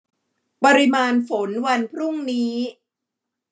ปริมาณฝนวันพรุ่งนี้